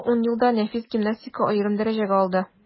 Соңгы ун елда нәфис гимнастика аерым дәрәҗәгә алды.